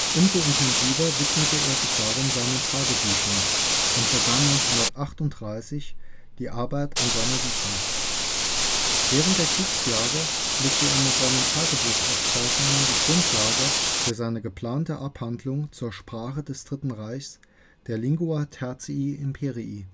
Um so intensiver widmete er sich darum seinen Tagebüchern und begann 1938 die Arbeit an seiner Vita. Während der Kriegsjahre legte er mit seinen Tagebuchaufzeichnungen die Grundlage für seine geplante Abhandlung zur Sprache des Dritten Reiches, der „ LTI “(Lingua Tertii Imperii